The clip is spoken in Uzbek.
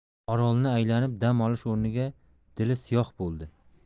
orolni aylanib dam olish o'rniga dili siyoh bo'ldi